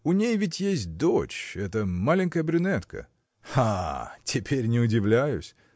у ней ведь есть дочь – эта маленькая брюнетка. А! теперь не удивляюсь.